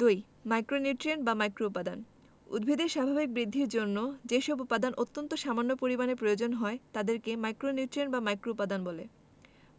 ২ micronutrient বা মাইক্রোউপাদান উদ্ভিদের স্বাভাবিক বৃদ্ধির জন্য যেসব উপাদান অত্যন্ত সামান্য পরিমাণে প্রয়োজন হয় তাদেরকে মাইক্রোনিউট্রিয়েন্ট বা মাইক্রোউপাদান বলে